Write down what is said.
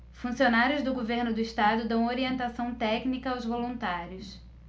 funcionários do governo do estado dão orientação técnica aos voluntários